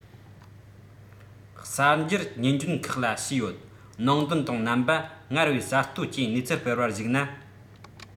གསར འགྱུར སྨྱན སྦྱོར ཁག ལ བྱས ཡོད ནང དོན དང རྣམ པ སྔར བས གསར གཏོད ཀྱིས གནས ཚུལ སྤེལ བར གཞིགས ན